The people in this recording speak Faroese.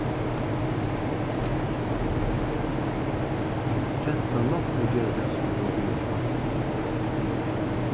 gentan noktaði at gera tað sum hon varð biðin um